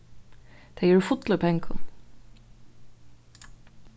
tey eru full í pengum